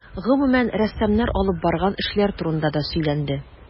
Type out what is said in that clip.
Гомүмән, рәссамнар алып барган эшләр турында да сөйләнде.